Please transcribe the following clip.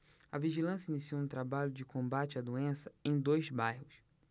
a vigilância iniciou um trabalho de combate à doença em dois bairros